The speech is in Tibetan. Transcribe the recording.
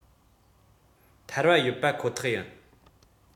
ཐལ བ ཡོད པ ཁོ ཐག ཡིན